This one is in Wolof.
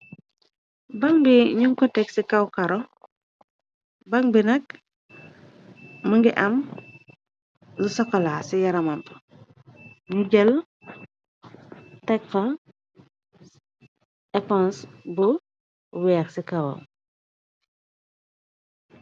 Ban bi ñu ko teg ci kaw karo, ban bi nak më ngi am lu sakola ci yaramamt, ñu jël teg fa epenc bu weex ci kawa.